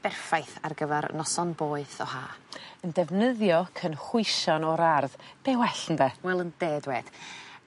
berffaith ar gyfar noson boeth o ha. Yn defnyddio cynhwysion o'r ardd be' well ynde? Wel ynde dwed.